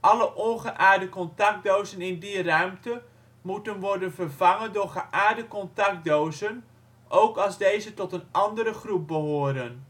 Alle ongeaarde contactdozen in die ruimte moeten worden vervangen door geaarde contactdozen ook als deze tot een andere groep behoren